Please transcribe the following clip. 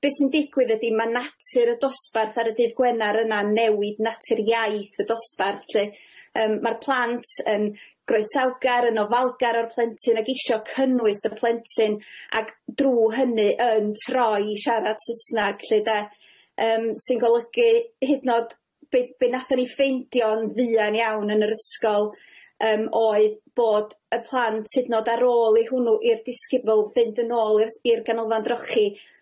be sy'n digwydd ydi ma' natur y dosbarth ar y dydd Gwener yna'n newid natur iaith y dosbarth lly yym ma'r plant yn groesawgar yn ofalgar o'r plentyn ag isio cynnwys y plentyn ag drw hynny yn troi i siarad Susnag lly de yym sy'n golygu hyd yn o'd be be nathon ni ffeindio'n fuan iawn yn yr ysgol yym oedd bod y plant hyd yn o'd ar ôl i hwnnw i'r disgybl fynd yn ôl i'r Ganolfan Drochi,